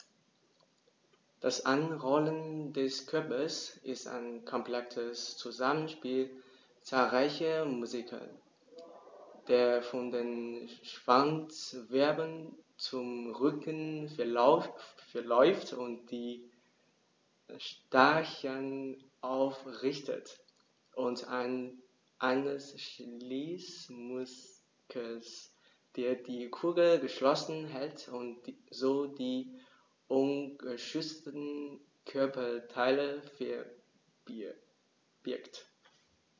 Das Einrollen des Körpers ist ein komplexes Zusammenspiel zahlreicher Muskeln, der von den Schwanzwirbeln zum Rücken verläuft und die Stacheln aufrichtet, und eines Schließmuskels, der die Kugel geschlossen hält und so die ungeschützten Körperteile verbirgt.